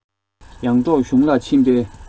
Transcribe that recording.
ཡར འབྲོག གཞུང ལ ཕྱིན པས